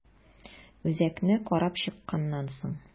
Үзәкне карап чыкканнан соң.